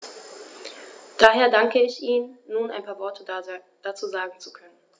Daher danke ich Ihnen, nun ein paar Worte dazu sagen zu können.